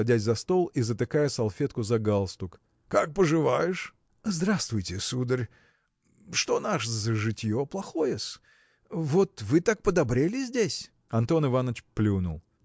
садясь за стол и затыкая салфетку за галстук – как поживаешь? – Здравствуйте, сударь. Что наше за житье? плохое-с. Вот вы так подобрели здесь. Антон Иваныч плюнул.